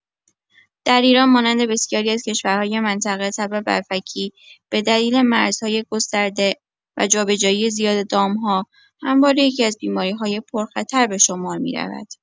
در ایران مانند بسیاری از کشورهای منطقه، تب برفکی به دلیل مرزهای گسترده و جابجایی زیاد دام‌ها همواره یکی‌از بیماری‌های پرخطر به شمار می‌رود.